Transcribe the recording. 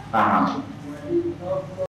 Anhan